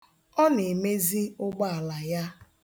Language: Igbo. Ọ na-emezi ụgbọala ya.